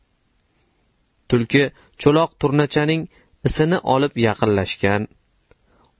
tulki cho'loq turnachaning isini olib yaqinlashgan